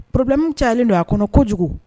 Pbime cayalen don a kɔnɔ kojugu